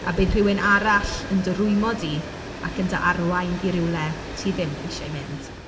A bydd rhywun arall yn dy rwymo di ac yn dy arwain i rywle ti ddim eisiau mynd.